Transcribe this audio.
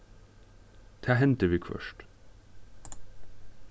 tað hendir viðhvørt